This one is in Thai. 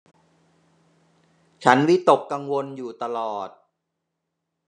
ฉันวิตกกังวลอยู่ตลอด